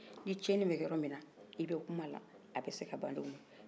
ni ciɲɛnin bɛ kɛ yɔrɔ min na i bɛ kuma la a bɛ se ka don min